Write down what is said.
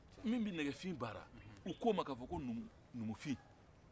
min bɛ nɛgɛfin baara o k'o man ko numufin